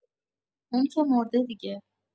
اون که مرده دیگه!